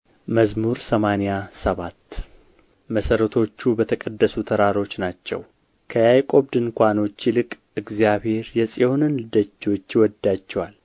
መዝሙር ሰማንያ ሰባት መሠረቶቹ በተቀደሱ ተራሮች ናቸው ከያዕቆብ ድንኳኖች ይልቅ እግዚአብሔር የጽዮንን ደጆች ይወድዳቸዋል